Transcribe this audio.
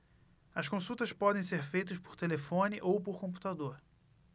as consultas podem ser feitas por telefone ou por computador